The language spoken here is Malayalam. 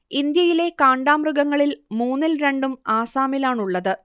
ഇന്ത്യയിലെ കാണ്ടാമൃഗങ്ങളിൽ മൂന്നിൽ രണ്ടും ആസാമിലാണുള്ളത്